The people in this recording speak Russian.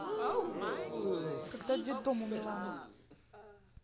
когда детдом у миланы